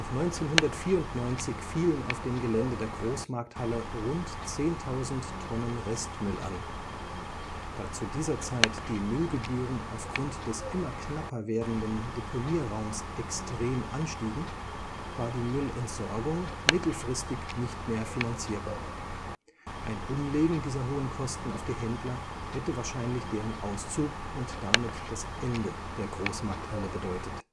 1994 fielen auf dem Gelände der Großmarkthalle rund 10.000 Tonnen Restmüll an. Da zu dieser Zeit die Müllgebühren aufgrund des immer knapper werdenden Deponieraums extrem anstiegen, war die Müllentsorgung mittelfristig nicht mehr finanzierbar. Ein Umlegen dieser hohen Kosten auf die Händler hätte wahrscheinlich deren Auszug und damit das Ende der Großmarkthalle bedeutet